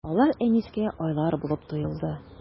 Алар Әнискә айлар булып тоелды.